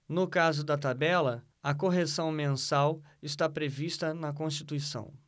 no caso da tabela a correção mensal está prevista na constituição